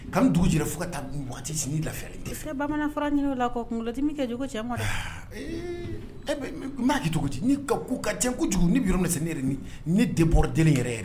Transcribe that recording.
Ka dugujɛ fo ka taa waati sini' laɛrɛ fɛ bamanan fara ɲini o la ko kunkolola tɛ min kɛ jo cɛ ma e ma kɛ cogo ni ka ka kojugu ni ne yɛrɛ ni ne de bɔra deni yɛrɛ yɛrɛ